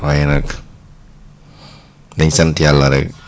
waaye nag nañ sant yàlla rek